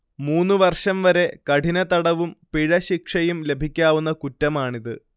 മൂന്നുവർഷം വരെ കഠിനതടവും പിഴശിക്ഷയും ലഭിക്കാവുന്ന കുറ്റമാണിത്